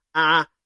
A